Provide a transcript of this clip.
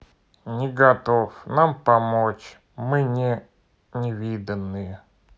не готов нам помочь мы не невиданные